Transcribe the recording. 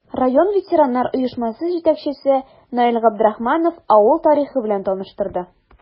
Район ветераннар оешмасы җитәкчесе Наил Габдрахманов авыл тарихы белән таныштырды.